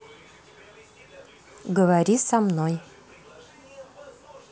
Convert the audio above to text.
говори со мной